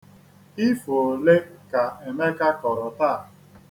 Ifo ole ka Emeka kọrọ taa?